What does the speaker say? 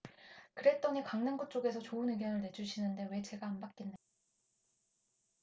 그랬더니 강남구 쪽에서 좋은 의견을 내주시는데 왜 제가 안 받겠느냐